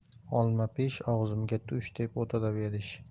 olma pish og'zimga tush deb o'tiraverish